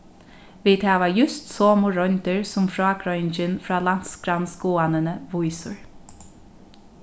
vit hava júst somu royndir sum frágreiðingin frá landsgrannskoðanini vísir